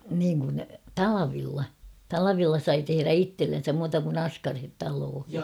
niin kun talvella talvella sai tehdä itsellensä muuta kuin askareet taloihin